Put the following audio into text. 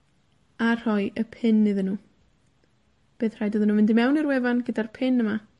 A rhoi y pin iddyn nw, bydd rhaid iddyn nw fynd i mewn i'r wefan gyda'r pin yma.